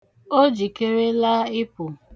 O jikerela ịpụ.